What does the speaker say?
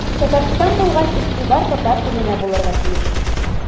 Татарстан булгач игътибар татар теленә булырга тиеш.